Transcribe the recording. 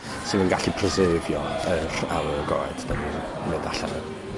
ti'm yn gallu preserfio yr awyr agored 'dyn ni'n mynd allan yn.